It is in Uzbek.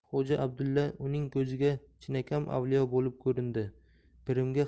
xo'ja abdulla uning ko'ziga chinakam avliyo bo'lib ko'rindi pirimga